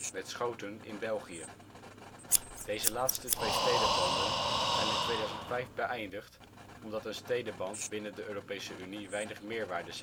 met Schoten in België. Deze laatste twee stedenbanden zijn in 2005 beëindigd omdat een stedenband binnen de Europese Unie weinig meerwaarde